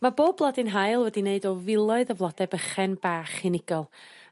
Ma' bob blodyn haul wedi wneud o filoedd o flode bychen bach unigol